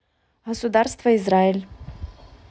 государство израиль